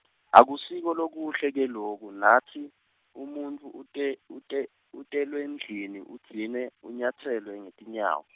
akusiko lokuhle, ke loku natsi umuntfu, utel- utelwe ndlini , udzine , unyatselwe, ngetinyawo.